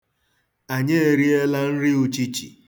Anyị eriela nri uchichi.